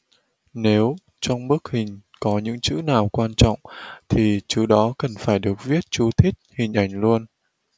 nếu trong bức hình có những chữ nào quan trọng thì chữ đó cần phải được viết chú thích hình ảnh luôn